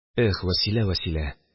Их, Вәсилә, Вәсилә